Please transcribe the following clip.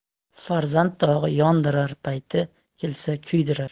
farzand dog'i yondirar payti kelsa kuydirar